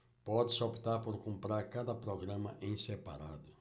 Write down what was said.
pode-se optar por comprar cada programa em separado